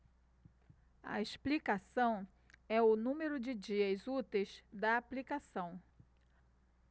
a explicação é o número de dias úteis da aplicação